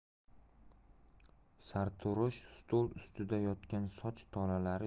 sartarosh stol ustida yotgan soch tolalari